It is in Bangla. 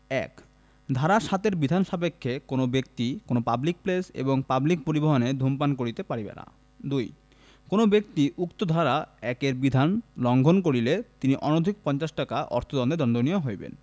১ ধারা ৭ এর বিধান সাপেক্ষে কোন ব্যক্তি কোন পাবলিক প্লেস এবং পাবলিক পরিবহণে ধূমপান করিতে পারিবে না ২ কোন ব্যক্তি উপ ধারা ১ এর বিধান লংঘন করিলে তিনি অনধিক পঞ্চাশ টাকা অর্থদন্ডে দন্ডনীয় হইবেন